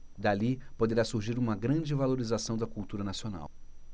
dali poderá surgir uma grande valorização da cultura nacional